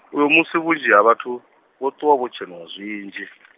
uyo musi vhunzhi ha vhathu, vho ṱuwa vho tshenuwa zwinzhi.